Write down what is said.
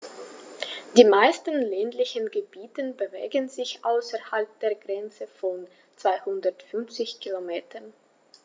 Die meisten ländlichen Gebiete bewegen sich außerhalb der Grenze von 250 Kilometern.